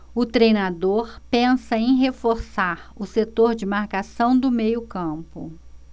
o treinador pensa em reforçar o setor de marcação do meio campo